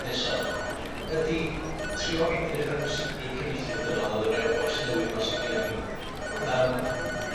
munud nesa' 'ma ydi trio edrych ar bwysigrwydd cyfieithydd dynol yn yr e- oes newydd 'ma sy gennan ni yym.